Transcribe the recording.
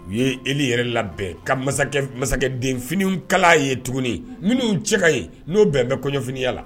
U ye Eli yɛrɛ labɛn ka masakɛdenfini kala' ye tuguni minnu cɛ ka ɲi n'o bɛn bɛ kɔɲɔfiniya la